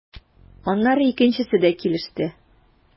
Аннары икенчесе дә килеште.